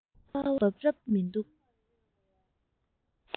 ཁ བ འབབ རབས མི འདུག